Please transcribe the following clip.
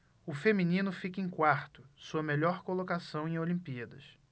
o feminino fica em quarto sua melhor colocação em olimpíadas